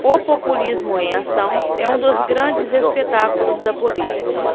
o populismo em ação é um dos grandes espetáculos da política